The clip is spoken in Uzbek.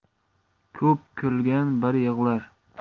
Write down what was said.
ko'p kulgan bir yig'lar